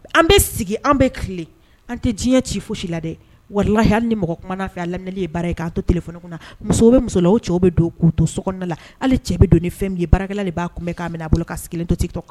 An bɛ sigi an bɛ tile an tɛ diɲɛ ci fosi la dɛ walaha ni mɔgɔ kuma fɛ a laminili ye bara ye k'a to tilekun muso bɛ musola o cɛw bɛ don k' to so la ale cɛ bɛ don ni fɛn min ye baarala b'a kun bɛ'a minɛ a bolo ka kelen to